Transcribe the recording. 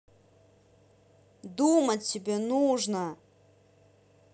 думать тебе нужно